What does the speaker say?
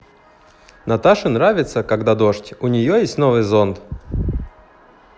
наташе нравится когда дождь у нее есть новый зонт